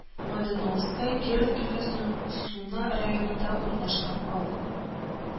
Моденовская Киров өлкәсенең Суна районында урнашкан авыл